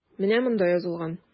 Менә монда язылган.